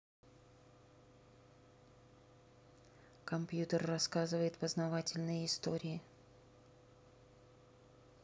компьютер рассказывает познавательные истории